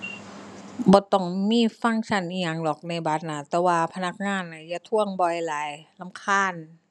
บ่ต้องมีฟังก์ชันอิหยังหรอกในบัตรน่ะ แต่ว่าพนักงานน่ะอย่าทวงบ่อยหลาย รำคาญ